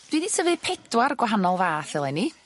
Dwi 'di tyfu pedwar gwahanol fath eleni